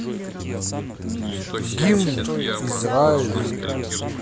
гимн израиля